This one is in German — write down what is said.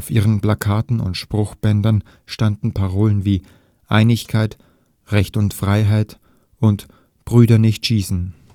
ihren Plakaten und Spruchbändern standen Parolen wie „ Einigkeit “,„ Recht und Freiheit “und „ Brüder, nicht schießen